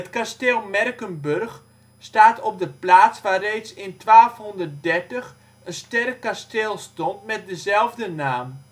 kasteel Merckenburg staat op de plaats waar reeds in 1230 een sterk kasteel stond met dezelfde naam